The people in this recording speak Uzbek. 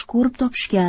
ko'rib topishgan